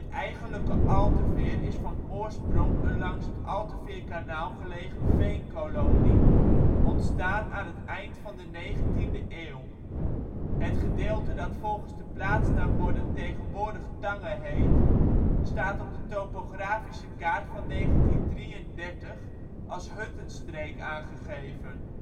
eigenlijke Alteveer is van oorsprong een langs het Alteveerkanaal gelegen veenkolonie, ontstaan aan het eind van de 19e eeuw. Het gedeelte dat volgens de plaatsnaamborden tegenwoordig Tange heet, staat op de topografische kaart van 1933 als Huttenstreek aangegeven